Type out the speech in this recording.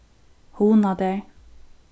hugna tær